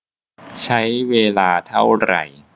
ใช้เวลาเท่าไหร่